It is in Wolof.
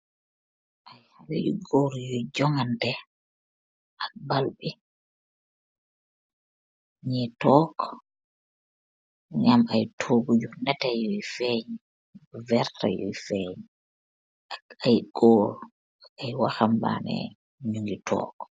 Ay haley yu goor yuii jokantah ak bal bi, geeh togg yu em ak togux yu teteh yuii feeg ak wertax yuii feeg ak ayyy goor ay wahambanex yu keeh toog.